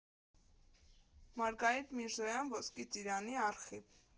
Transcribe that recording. Մարգարիտ Միրզոյան Ոսկե ծիրանի արխիվ։